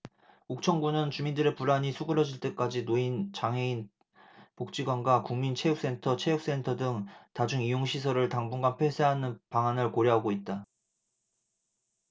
옥천군은 주민들의 불안이 수그러들 때까지 노인장애인복지관과 국민체육센터 체육센터 등 다중 이용시설을 당분간 폐쇄하는 방안을 고려하고 있다